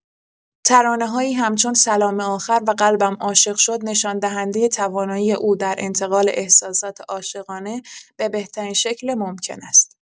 ترانه‌هایی همچون سلام آخر و قلبم عاشق شد نشان‌دهنده توانایی او در انتقال احساسات عاشقانه به بهترین شکل ممکن است.